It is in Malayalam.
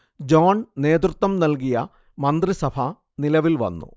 ജോൺ നേതൃത്വം നൽകിയ മന്ത്രിസഭ നിലവിൽ വന്നു